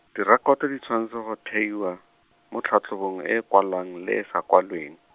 direkoto di tshwanetse go theiwa, mo tlhatlhobong e e kwalwang le e e sa kwalweng.